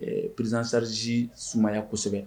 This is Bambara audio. Ɛɛ perezsariz sumayaya kosɛbɛ